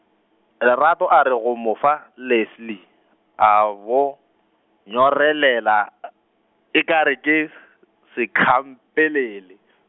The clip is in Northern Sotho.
Lerato a re go mo fa Leslie, a bo, nyorelela , e kgare ke, s- sekhampelele.